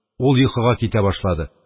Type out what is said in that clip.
Ул йокыга китә башлады.